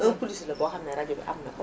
un plus la boo xam ne rajo bi am na ko